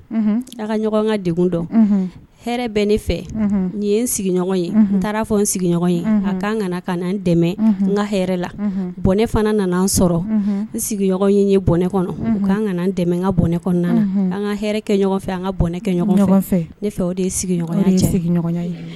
Ka bɛ ne fɛ ye n sigiɲɔgɔn ye taara fɔ n sigi ye k'an kana ka n ka la bɔnɛ fana nanaan sɔrɔ n sigiɲɔgɔn ye bɔnɛ kɔnɔ ka tɛmɛ ka bɔnɛ kɔnɔn an ka kɛ fɛ an ka bɔnɛ kɛ ɲɔgɔn ne fɛ o de